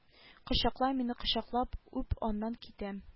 Кочакла мине кочаклап үп аннан китәм